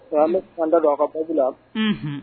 An bɛ an don a ka bɔbi la